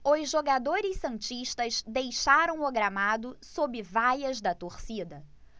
os jogadores santistas deixaram o gramado sob vaias da torcida